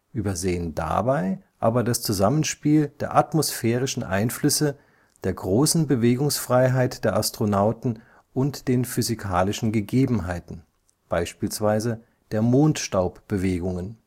übersehen dabei aber das Zusammenspiel der atmosphärischen Einflüsse, der großen Bewegungsfreiheit der Astronauten und den physikalischen Gegebenheiten (beispielsweise der Mondstaubbewegungen